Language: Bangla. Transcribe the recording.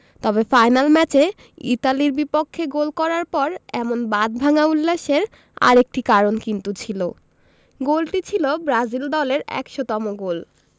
তবে ফাইনাল ম্যাচে ইতালির বিপক্ষে গোল করার পর এমন বাঁধভাঙা উল্লাসের আরেকটি কারণ কিন্তু ছিল গোলটি ছিল ব্রাজিল দলের ১০০তম গোল